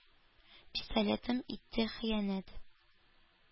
Пистолетым итте хыянәт!